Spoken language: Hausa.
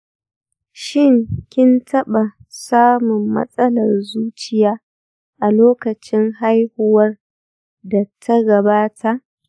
shin, kin taɓa samun matsalar zuciya a lokacin haihuwar da ta gabata?